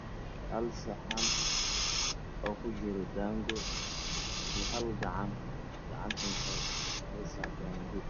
Hal saxan oo ku jiraan daango waxaa ag fadhiya nin kale oo daango cunayo